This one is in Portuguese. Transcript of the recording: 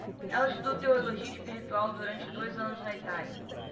ela estudou teologia espiritual durante dois anos na itália